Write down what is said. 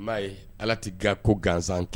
N m'a ye ala tɛi ga ko gansan kɛ